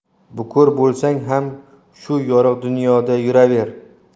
bukir bo'lsang ham shu yorug' dunyoda yuraver